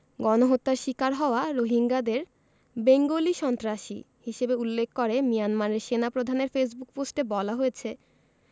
গণহত্যার শিকার হওয়া রোহিঙ্গাদের বেঙ্গলি সন্ত্রাসী হিসেবে উল্লেখ করে মিয়ানমারের সেনাপ্রধানের ফেসবুক পোস্টে বলা হয়েছে